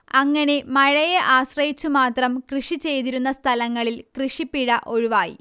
അങ്ങനെ മഴയെ ആശ്രയിച്ചു മാത്രം കൃഷി ചെയ്തിരുന്ന സ്ഥലങ്ങളിൽ കൃഷിപ്പിഴ ഒഴിവായി